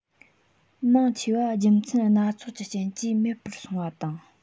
མང ཆེ བ རྒྱུ མཚན སྣ ཚོགས ཀྱི རྐྱེན གྱིས མེད པར སོང བ དང